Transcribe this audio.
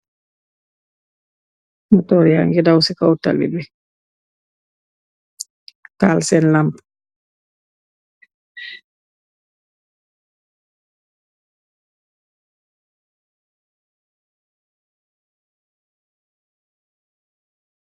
mutoorya ngi daw ci kawtali bi taal senn lamp.